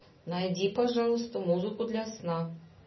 найди пожалуйста музыку для сна